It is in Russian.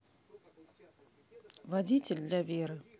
водитель для веры